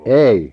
ei